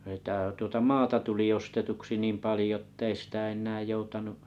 sitä tuota maata tuli ostetuksi niin paljon että ei sitä enää joutanut